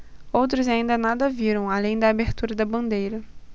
outros ainda nada viram além da abertura da bandeira